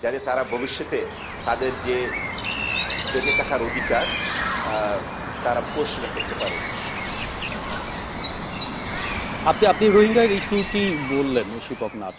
যাতে তারা ভবিষ্যতে তাদের যে বেঁচে থাকার অধিকার তারা প্রতিষ্ঠা করতে পারে আপনি রোহিঙ্গার ইস্যুটি বললেন শিপক নাথ